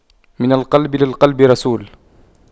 من القلب للقلب رسول